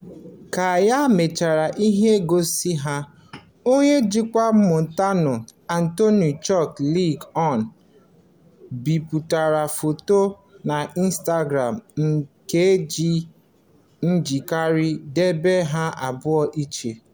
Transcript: Ka ha mechara ihe ngosi ha, onye njikwa Montano, Anthony Chow Lin On, bipụtara foto n'Instagram nke o ji njakịrị debe ha abụọ iche: